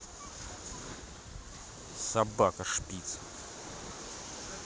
собака шпиц